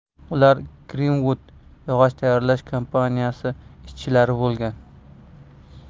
ular grinvud yog'och tayyorlash kompaniyasi ishchilari bo'lgan